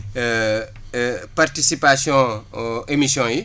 participation émission yi